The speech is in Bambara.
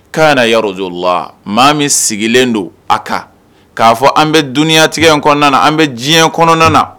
K ka na yɔrɔrojo la maa min sigilen don a kan k'a fɔ an bɛ dunyatigɛ in kɔnɔna na an bɛ diɲɛ kɔnɔna na